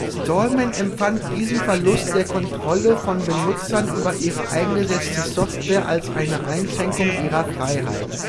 Stallman empfand diesen Verlust der Kontrolle von Benutzern über ihre eingesetzte Software als eine Einschränkung ihrer Freiheit